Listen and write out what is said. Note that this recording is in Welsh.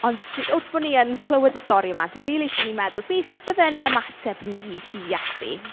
Ond dw i... wrth bo' ni yn clywed y stori yma dw i rili isie ni meddwl beth byddai'n ymateb ni i Iesu?